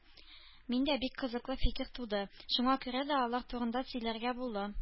Миндә бик кызыклы фикер туды, шуңа күрә дә алар турында сөйләргә булдым